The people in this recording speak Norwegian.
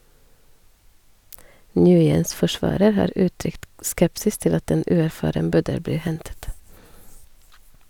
Nguyens forsvarer har uttrykt skepsis til at en uerfaren bøddel blir hentet.